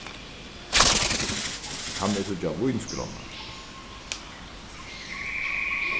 kann eg síggja vínskránna